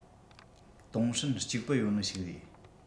ཏུང ཧྲན གཅིག པུ ཡོད ནི ཞིག རེད